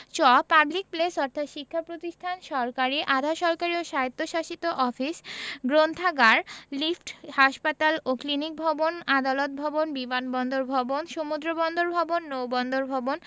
চ public place অর্থ শিক্ষা প্রতিষ্ঠান সরকারী আধা সরকারী ও স্বায়ত্তশাসিত অফিস গ্রন্থাগান লিফট হাসপাতাল ও ক্লিনিক ভবন আদালত ভবন বিমানবন্দর ভবন সমুদ্র বন্দর ভবন নৌ বন্দর ভবন